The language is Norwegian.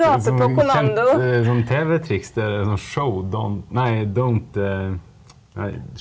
sånn kjent sånn tv-triks det er sånn nei nei .